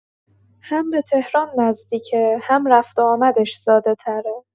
هم به تهران نزدیکه، هم رفت‌وآمدش ساده‌تره.